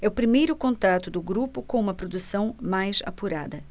é o primeiro contato do grupo com uma produção mais apurada